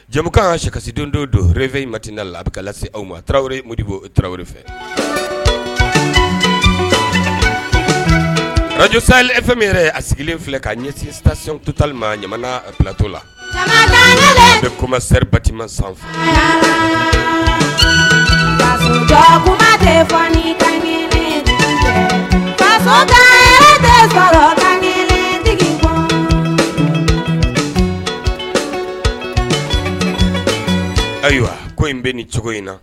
Jamukan ka sikasi don don don hfɛny in matida la a bɛ lase se aw ma a tarawele modibo o tarawele fɛj sa e fɛn min yɛrɛ a sigilen filɛ kaa ɲɛsin to tanli ma ɲamana filato la ko seriti san fa ayiwa ko in bɛ nin cogo in na